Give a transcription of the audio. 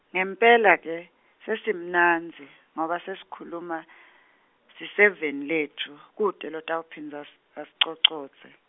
ngempela ke sesimnandzi ngobe sesikhuluma siseveni letfu kute lotawuphindze as- asicocodze.